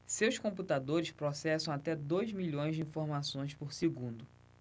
seus computadores processam até dois milhões de informações por segundo